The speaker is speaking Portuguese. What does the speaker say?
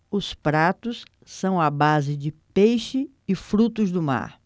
os pratos são à base de peixe e frutos do mar